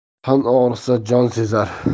tan og'risa jon sezar